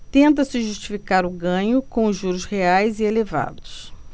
tenta-se justificar o ganho com os juros reais elevados